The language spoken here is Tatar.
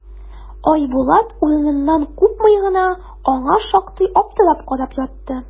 Айбулат, урыныннан купмый гына, аңа шактый аптырап карап ятты.